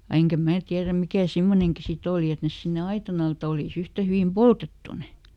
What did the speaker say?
ja enkä minä tiedä mikä semmoinenkin sitten oli että ne sinne aitan alle että olisi yhtä hyvin poltettu ne